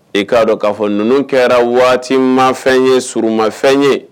E k'a dɔn k'a fɔ ninnu kɛra waati ma fɛn ye suru ma fɛn